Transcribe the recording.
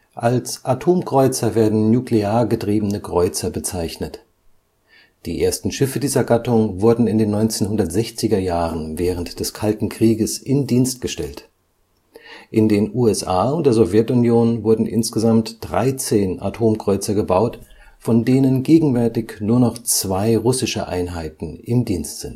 Als Atomkreuzer werden nuklear getriebene Kreuzer bezeichnet. Die ersten Schiffe dieser Gattung wurden in den 1960er Jahren während des Kalten Krieges in Dienst gestellt. In den USA und der Sowjetunion wurden insgesamt 13 Atomkreuzer gebaut, von denen gegenwärtig nur noch zwei heute russische Einheiten im Dienst